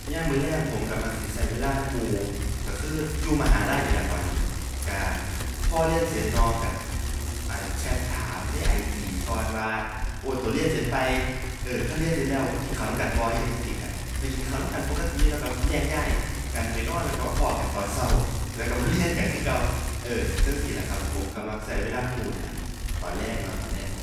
ยามมื้อแลงผมก็มักสิก็เวลานำหมู่ ก็คืออยู่มหาลัยนี่ล่ะตอนนี้ ก็ พอเรียนเสร็จเนาะ ก็ อั่น แชตถามใน IG ก่อนว่า โอ้ ก็เรียนเสร็จไป เอ้อ คันเรียนเสร็จแล้วมากินข้าวนำกันบ่ อิหยังจั่งซี้ก็ไปกินข้าวนำกันปกติ แล้วก็แยกย้ายกันไปนอน แล้วก็มาพ้อกันตอนก็ แล้วก็มาเรียนกันคือเก่า เอ้อ จั่งซี้ล่ะครับ ผมก็มักก็เวลานำหมู่นี้ล่ะ ตอนแลงเนาะตอนแลง